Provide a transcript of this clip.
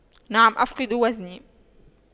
نعم أفقد وزني